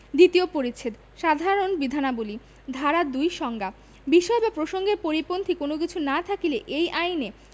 দ্বিতীয় পরিচ্ছেদ সাধারণ বিধানাবলী ধারা ২ সংজ্ঞা বিষয় বা প্রসঙ্গের পরিপন্থী কোন কিছু না থাকিলে এই আইনে